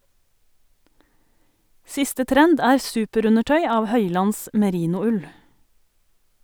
Siste trend er superundertøy av høylands merino-ull.